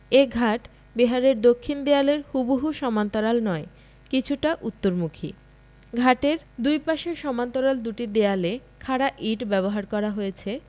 এ ঘাট বিহারের দক্ষিণ দেয়ালের হুবহু সমান্তরাল নয় কিছুটা উত্তরমুখী ঘাটের দুই পাশের সমান্তরাল দুটি দেয়ালে খাড়া ইট ব্যবহার করা হয়েছে